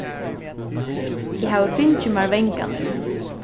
eg havi fingið mær vangan nú